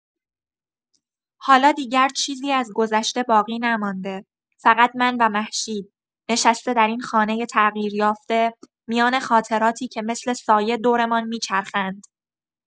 حالا دیگر چیزی از گذشته باقی نمانده، فقط من و مهشید، نشسته در این خانۀ تغییر یافته، میان خاطراتی که مثل سایه دورمان می‌چرخند.